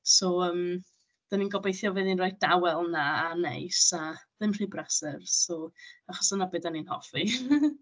So yym, dan ni'n gobeithio fydd hi'n reit dawel 'na a neis a ddim rhy brysur, so ... Achos dyna be dan ni'n hoffi.